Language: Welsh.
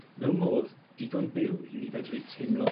mewn modd digon byw i ni fedru teimlo